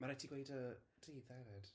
Mae rhaid ti gweud y dydd hefyd.